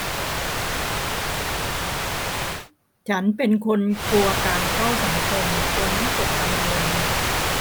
ฉันเป็นคนกลัวการเข้าสังคมจนวิตกกังวล